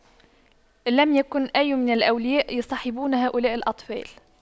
لم يكن أي من الأولياء يصطحبون هؤلاء الأطفال